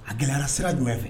A gɛlɛyara sira jumɛn fɛ